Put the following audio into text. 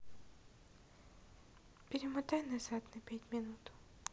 перемотай назад на пять минут